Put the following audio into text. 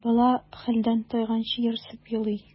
Ә бала хәлдән тайганчы ярсып елый.